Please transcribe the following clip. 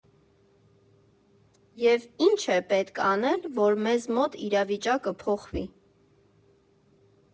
Եվ ի՞նչ է պետք անել, որ մեզ մոտ իրավիճակը փոխվի։